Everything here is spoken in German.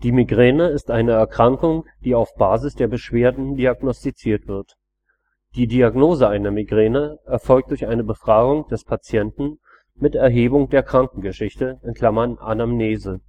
Migräne ist eine Erkrankung, die auf Basis der Beschwerden diagnostiziert wird. Die Diagnose einer Migräne erfolgt durch eine Befragung des Patienten mit Erhebung der Krankengeschichte (Anamnese